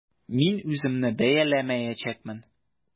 Мин үземне бәяләмәячәкмен.